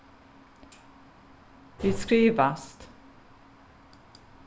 vit skrivast